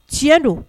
Tiɲɛ don